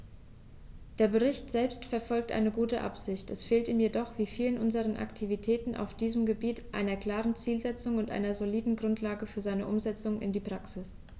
Der Bericht selbst verfolgt eine gute Absicht, es fehlt ihm jedoch wie vielen unserer Aktivitäten auf diesem Gebiet an einer klaren Zielsetzung und einer soliden Grundlage für seine Umsetzung in die Praxis.